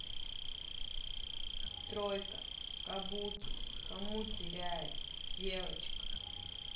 тройка кабуки кому теряет девочка